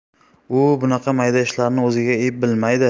u bunaqa mayda ishlarni o'ziga ep bilmaydi